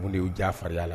Ko de y'u jan faririn la